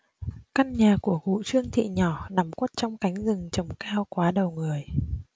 căn nhà của cụ trương thị nhỏ nằm khuất trong cánh rừng trồng cao quá đầu người